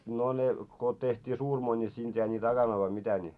no ne kun tehtiin suurimoita niin siinä jäi niitä akanoita vai mitä niin